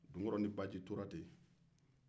dunkɔrɔ ni baji tora ten